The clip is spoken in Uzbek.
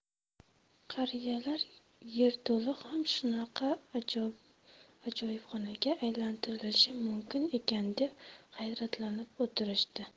qariyalar yerto'la ham shunaqa ajoyibxonaga aylantirilishi mumkin ekan deb hayratlanib o'tirishdi